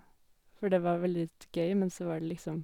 For det var vel litt gøy, men så var det liksom...